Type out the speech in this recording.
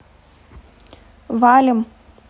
валим